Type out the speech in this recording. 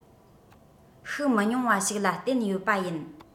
ཤུགས མི ཉུང བ ཞིག ལ བརྟེན ཡོད པ ཡིན